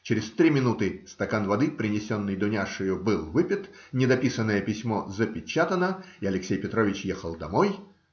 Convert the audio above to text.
Через три минуты стакан воды, принесенный Дуняшею, был выпит, недописанное письмо запечатано, и Алексей Петрович ехал домой.